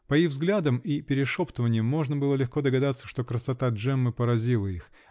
По их взглядам и перешептываньям можно было легко догадаться, что красота Джеммы поразила их